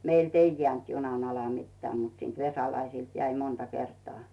meiltä ei jäänyt junan alle mitään mutta siitä Vesalaisilta jäi monta kertaa